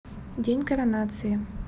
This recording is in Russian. день коронации